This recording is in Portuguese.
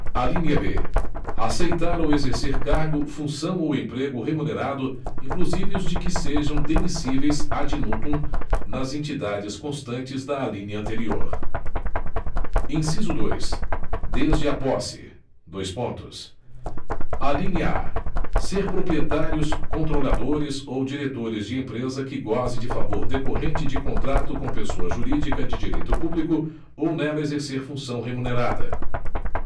alínea b aceitar ou exercer cargo função ou emprego remunerado inclusive os de que sejam demissíveis ad nutum nas entidades constantes da alínea anterior inciso dois desde a posse dois pontos alínea a ser proprietários controladores ou diretores de empresa que goze de favor decorrente de contrato com pessoa jurídica de direito público ou nela exercer função remunerada